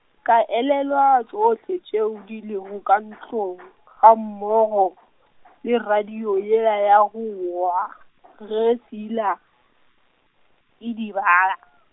ke elelwa, tšohle tšeo di lego ka ntlong, ga mmogo, le radio yela ya go wa, ge Seila, idibala.